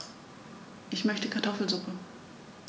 Ich möchte Kartoffelsuppe.